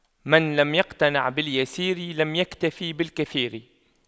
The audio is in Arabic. من لم يقنع باليسير لم يكتف بالكثير